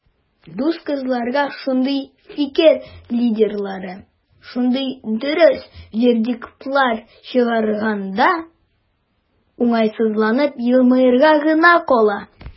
Дус кызларга шундый "фикер лидерлары" шундый дөрес вердиктлар чыгарганда, уңайсызланып елмаерга гына кала.